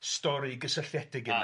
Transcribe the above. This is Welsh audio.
Story gysylltiedig yna.